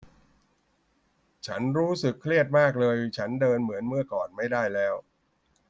ฉันรู้สึกเครียดมากเลยฉันเดินเหมือนเมื่อก่อนไม่ได้แล้ว